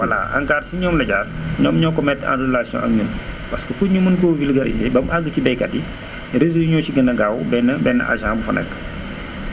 voilà ANCAR si ñoom la jaar ñoom ñoo ko mettre en relation ak ñun parce que pour ñu mën koo vulgarisé ba mu àgg si baykat yi réseau yi ñoo si gën a gaaw benn benn agent bu fa nekk